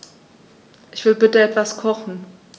Ich will bitte etwas kochen.